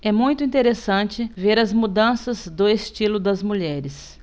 é muito interessante ver as mudanças do estilo das mulheres